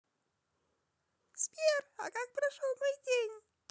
сбер а как прошел мой день